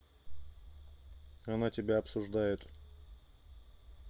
она тебя обсуждает